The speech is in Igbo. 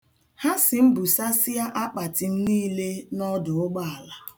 Ha si m busasịa akpati m niile n'ọdọ ụgbọala.